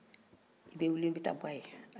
ayi an famana tile fila inna n nana b'i ye